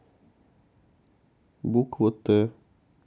буква т